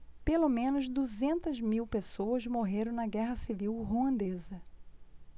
pelo menos duzentas mil pessoas morreram na guerra civil ruandesa